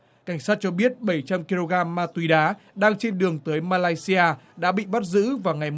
cảnh sát cho biết bảy trăm ki lô gam ma túy đá đang trên đường tới ma lay si a đã bị bắt giữ vào ngày